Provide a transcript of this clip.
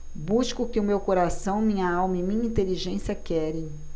busco o que meu coração minha alma e minha inteligência querem